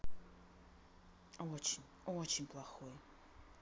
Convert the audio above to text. очень очень плохой